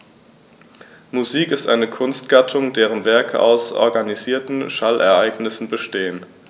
Musik ist eine Kunstgattung, deren Werke aus organisierten Schallereignissen bestehen.